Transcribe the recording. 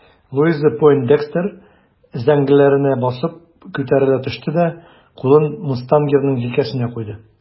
Луиза Пойндекстер өзәңгеләренә басып күтәрелә төште дә кулын мустангерның җилкәсенә куйды.